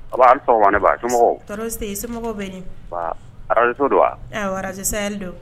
A ne tɔɔrɔ somɔgɔw bɛ nin arajso don wa ara don